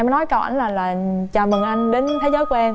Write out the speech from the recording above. nói câu ảnh là là chào mừng anh đến thế giới của em